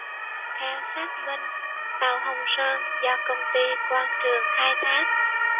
theo xác minh tàu hồng sơn do công ty quang trường khai thác